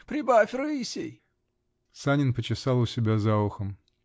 Прибавь рыси!" Санин почесал у себя за ухом.